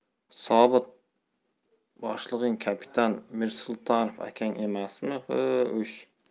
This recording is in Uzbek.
sobiq boshlig'ing kapitan mirsultonov akang emasmi xo' o'sh